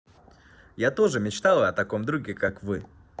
а я тоже мечтала о таком друге как вы